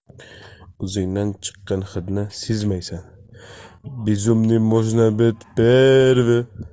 o'zingdan chiqqan hidni sezmaysan